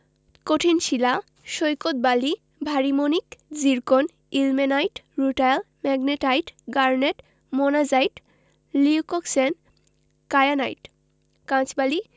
কঠিন শিলা সৈকত বালি ভারি মণিক zircon ilmenite rutile magnetite garnet monazite leucoxene kyanite কাঁচবালি